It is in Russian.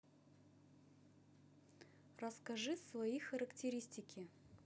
расскажи свои характеристики